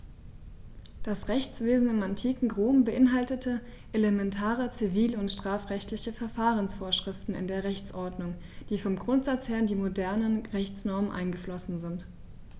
Das Rechtswesen im antiken Rom beinhaltete elementare zivil- und strafrechtliche Verfahrensvorschriften in der Rechtsordnung, die vom Grundsatz her in die modernen Rechtsnormen eingeflossen sind.